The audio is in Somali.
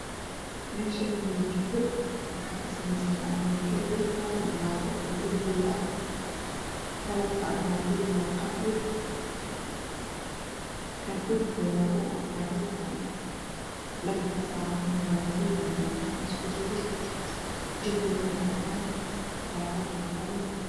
Waa jigko waxa ka saameesan armaajo dhulkaay armaajo oo darbiga ah kalarka armaajiga waa qaxwo Kan dhulka yaallo oo armaajo ah dhagaxa saaran waa madow iyo caddaan isku jirra darbiga waa caddaan daaqada waa qallin